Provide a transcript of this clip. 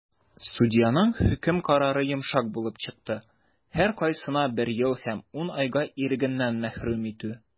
Судьяның хөкем карары йомшак булып чыкты - һәркайсына бер ел һәм 10 айга ирегеннән мәхрүм итү.